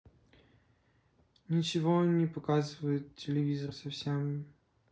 ничего не показывает телевизор совсем